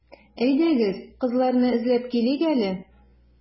Әйдәгез, кызларны эзләп килик әле.